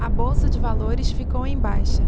a bolsa de valores ficou em baixa